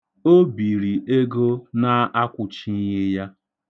O biri ego n'akwụchighị ya.